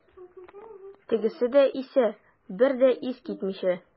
Тегесе исә, бер дә исе китмичә.